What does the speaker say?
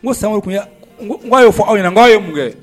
N ko sa n' fɔ aw ɲɛna n'a ye mun kɛ